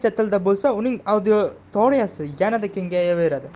tilda bo'lsa uning auditoriyasi yanada kengayaveradi